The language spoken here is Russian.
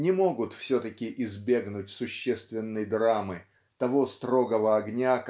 не могут все-таки избегнуть существенной драмы того строгого огня